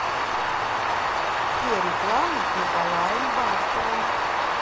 все рекламы с николаем басковым